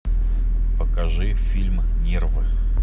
покажи фильм нерв